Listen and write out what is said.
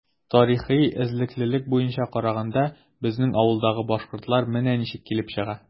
Тарихи эзлеклелек буенча караганда, безнең авылдагы “башкортлар” менә ничек килеп чыга.